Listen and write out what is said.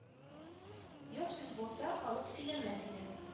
Юк сүз булса, халык сөйләмәс иде